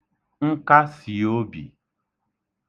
nkasìobì